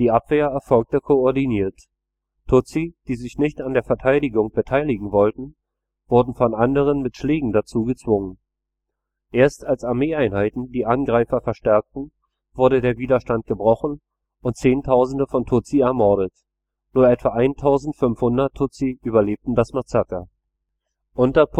Abwehr erfolgte koordiniert; Tutsi, die sich nicht an der Verteidigung beteiligen wollten, wurden von anderen mit Schlägen dazu gezwungen. Erst als Armeeeinheiten die Angreifer verstärkten, wurde der Widerstand gebrochen und Zehntausende von Tutsi ermordet, nur etwa 1500 Tutsi überlebten das Massaker